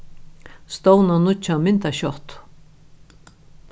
stovna nýggja myndaskjáttu